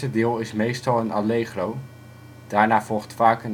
deel is meestal een Allegro, daarna volgt vaak